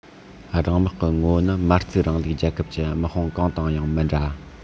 རང དམག གི ངོ བོ ནི མ རྩའི རིང ལུགས རྒྱལ ཁབ ཀྱི དམག དཔུང གང དང ཡང མི འདྲ